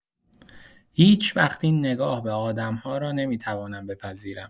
هیچ‌وقت این نگاه به آدم‌ها را نمی‌توانم بپذیرم.